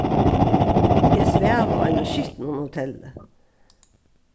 eg svav á einum skitnum hotelli